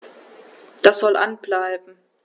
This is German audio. Das soll an bleiben.